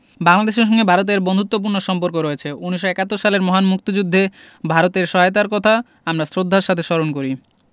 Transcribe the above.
বাংলাদেশের সঙ্গে ভারতের বন্ধুত্তপূর্ণ সম্পর্ক রয়ছে ১৯৭১ সালের মহান মুক্তিযুদ্ধে ভারতের সহায়তার কথা আমরা শ্রদ্ধার সাথে স্মরণ করি